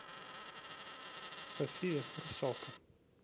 софия русалка